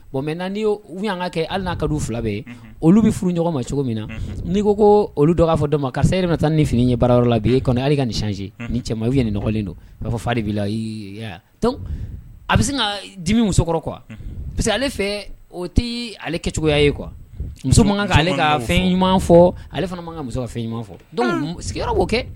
Mɛ nan kɛ hali n'a fila bɛ olu bɛ furu ɲɔgɔn ma cogo min na n'i ko ko olu dɔ' fɔ dɔn ma karisa se yɛrɛ taa ni fini ye baara yɔrɔ la b' e hali ka s ni cɛ ye ninkɔlen don b'a fɔ fa de' a bɛ se ka dimi musokɔrɔ qu parce que ale fɛ o tɛ ale kɛ cogoyaya ye qu muso kan ka ale ka fɛn ɲuman fɔ ale fana man kan ka muso ka fɛn ɲuman fɔ sigiyɔrɔ b'o kɛ